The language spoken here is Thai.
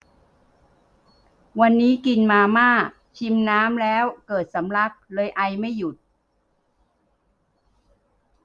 วันนี้กินมาม่าชิมน้ำแล้วเกิดสำลักเลยไอไม่หยุด